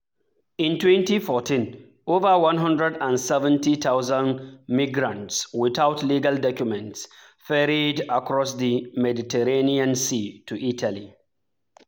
In 2014, over 170,000 migrants without legal documents ferried across the Mediterranean Sea to Italy.